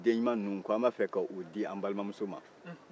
ko nin den ɲuman ninnu ko an b'a fɛ k'o di an balimamuso ma